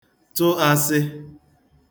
tụ āsị̄